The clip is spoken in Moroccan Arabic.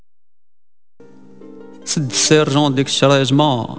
سر جراند